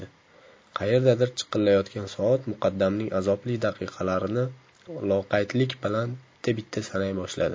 qayerdadir chiqillayotgan soat muqaddamning azobli daqiqalarini loqaydlik bilan bitta bitta sanay boshladi